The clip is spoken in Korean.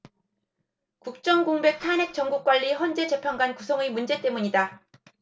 국정 공백 탄핵 정국 관리 헌재 재판관 구성의 문제 때문이다